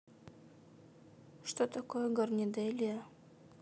что такое garnidelia